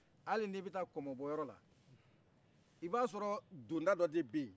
a li n'i bɛ taa konɔ bɔ yɔrɔla i b'a sɔrɔ donda dɔ de bɛyen